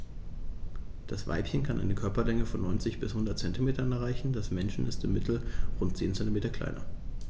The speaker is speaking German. Das Weibchen kann eine Körperlänge von 90-100 cm erreichen; das Männchen ist im Mittel rund 10 cm kleiner.